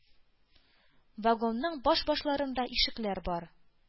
Вагонның баш-башларында ишекләр бар.